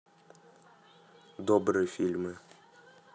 добрые фильмы